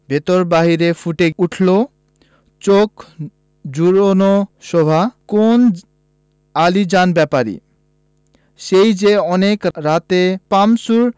ভেতরে বাইরে ফুটে উঠলো চোখ জুড়োনো শোভা কোন আলীজান ব্যাপারী সেই যে অনেক রাতে পাম্পসুর